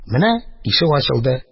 Менә ишек ачылды.